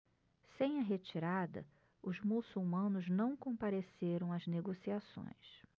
sem a retirada os muçulmanos não compareceram às negociações